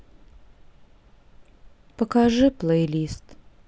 покажи плейлист